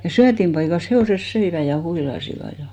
ja syötinpaikassa hevoset söivät ja huilasivat ja